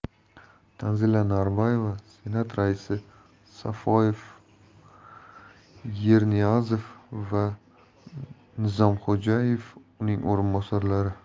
tanzila norboyeva senat raisi safoyev yerniyazov va nizomxo'jayev uning o'rinbosarlari